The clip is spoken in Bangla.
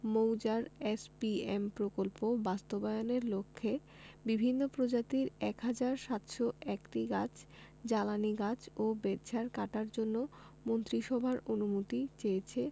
মৌজার এসপিএম প্রকল্প বাস্তবায়নের লক্ষ্যে বিভিন্ন প্রজাতির ১ হাজার ৭০১টি গাছ জ্বালানি গাছ ও বেতঝাড় কাটার জন্য মন্ত্রিসভার অনুমতি চেয়েছে